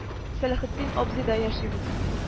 Сәләхетдин абзыйда яшибез